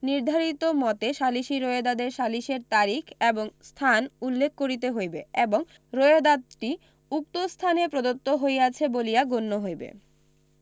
নির্ধারিত মতে সালিসী রোয়েদাদে সালিসের তারিখ এবং স্থান উল্লেখ করিতে হইবে এবং রোয়েদাদটি উক্ত স্থানে প্রদত্ত হইয়াছে বলিয়া গণ্য হইবে